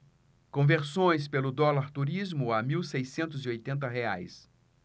conversões pelo dólar turismo a mil seiscentos e oitenta reais